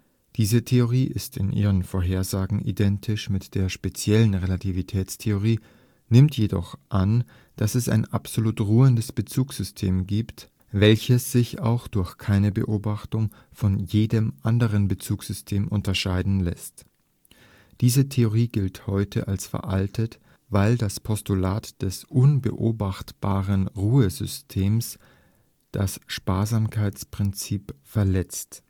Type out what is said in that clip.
Diese Theorie ist in ihren Vorhersagen identisch mit der speziellen Relativitätstheorie, nimmt jedoch an, dass es ein absolut ruhendes Bezugssystem gibt, welches sich aber durch keine Beobachtung von jedem anderen Bezugssystem unterscheiden lässt. Diese Theorie gilt heute als veraltet, weil das Postulat des unbeobachtbaren Ruhesystems das Sparsamkeitsprinzip verletzt